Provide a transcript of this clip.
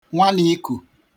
nwanikù